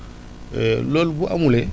loolu bu amulee